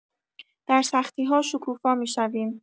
در سختی‌ها شکوفا می‌شویم.